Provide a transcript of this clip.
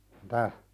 mitä